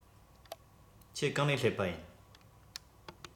ཁྱེད གང ནས སླེབས པ ཡིན